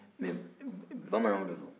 mɛ bamananw de don